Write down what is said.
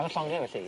Ar llonge felly?